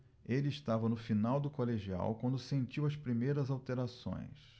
ele estava no final do colegial quando sentiu as primeiras alterações